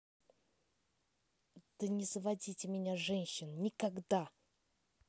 да не заводите меня женщин никогда